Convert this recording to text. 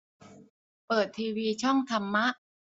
เปิดทีวีช่องธรรมะ